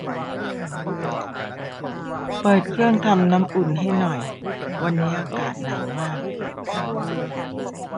เปิดเครื่องทำน้ำอุ่นให้หน่อยวันนี้อากาศหนาวมาก